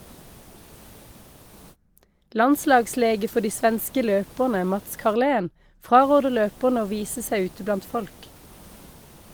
Landslagslege for de svenske løperne, Mats Carlén, fraråder løperne å vise seg ute blant folk.